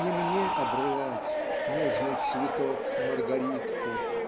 не мне обрывать Нежный цветок маргаритку